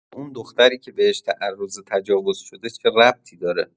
به اون دختری که بهش تعرض و تجاوز شده چه ربطی داره؟